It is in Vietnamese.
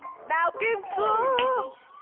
đào kim cương